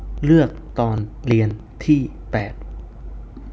เลือกตอนเรียนที่แปด